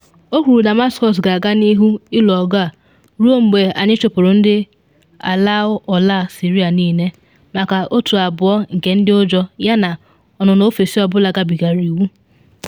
O kwuru Damascus ga-aga n’ihu “ịlụ ọgụ a ruo mgbe anyị chụpụrụ ndị alụọ ọlaa Syria niile” maka otu abụọ nke ndị ụjọ yana “ọnụnọ ofesi ọ bụla gabigara iwu.”